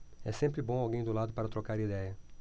é sempre bom alguém do lado para trocar idéia